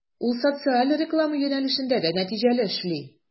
Ул социаль реклама юнәлешендә дә нәтиҗәле эшли.